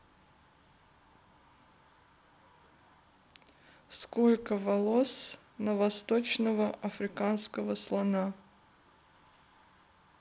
сколько волос на восточного африканского слона